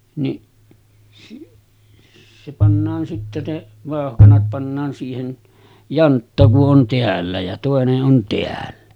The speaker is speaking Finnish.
niin se pannaan sitten ne vauhkanat pannaan siihen jantta kun on täällä ja toinen on täällä